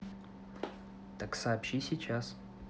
так сообщи сейчас